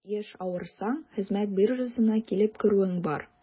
Еш авырсаң, хезмәт биржасына килеп керүең бар.